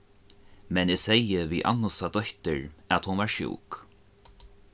men eg segði við annusa dóttir at hon var sjúk